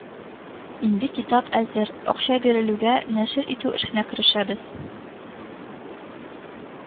Инде китап әзер, акча бирелүгә, нәшер итү эшенә керешәбез